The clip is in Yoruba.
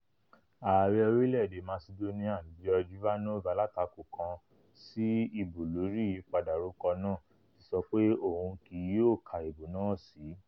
Ààrẹ orílẹ̀-èdè Masidóníà Gjorge Ivanov, alátakò kan sí ìbò lóri ìyípadà orúkọ náà, ti sọpé òun kì yóò ka ìbò náà sí.